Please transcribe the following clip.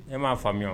E m'a faamuya